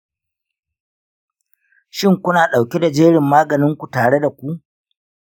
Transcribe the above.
shin, kuna ɗauke da jerin maganin ku tare da ku?